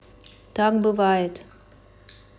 так бывает